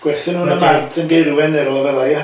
Gwerthu n'w yn y mart yn Gaerwen neu rwla fel'a ia?